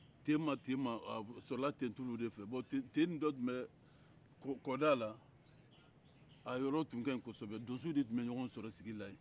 tema tema a sɔrɔla ntentulu de fɛ bɔn nten nin dɔ tun bɛ kɔda la a yɔrɔ tun ka ɲi kɔsɔbɛ donso de tun bɛ ɲɔgɔn sɔrɔ sigi la yen